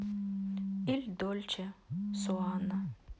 иль дольче суана